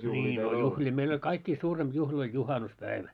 niin no juhlia meillä oli kaikkia suurempi juhla oli juhannuspäivä